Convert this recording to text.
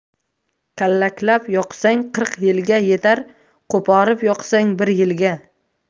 kallaklab yoqsang qirq yilga yetar qo'porib yoqsang bir yilga